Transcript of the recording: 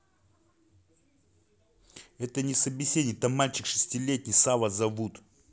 это не собеседник там мальчик шестилетний савва зовут